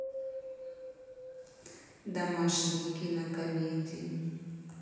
домашние кинокомедии